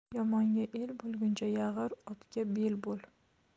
yomonga el bo'lguncha yag'ir otga bel bo'l